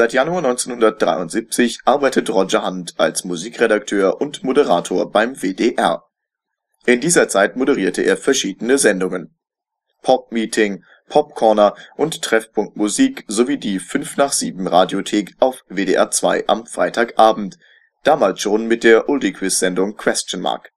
Januar 1973 arbeitet Roger Handt als Musikredakteur und Moderator beim WDR. In dieser Zeit moderierte er verschiedene Sendungen: Popmeeting, Popcorner und Treffpunkt Musik und die Fünf nach Sieben - Radiothek auf WDR 2 am Freitagabend – damals schon mit der Oldiequizsendung Question Mark